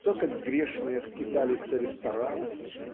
то как грешная скиталица ресторанов.